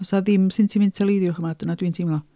Does 'na ddim sentimentaleiddiwch yma dyna dwi'n teimlo.